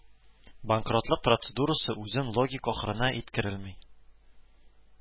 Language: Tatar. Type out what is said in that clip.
Банкротлык процедурасы үзенең логик ахырына иткерелми